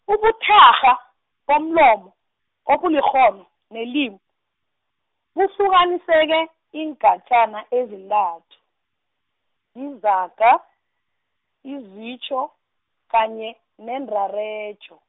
ubuthakgha bomlomo, obulikghono lelimi, buhlukaniseka iingatjana ezintathu, izaga, izitjho, kanye neenrarejo.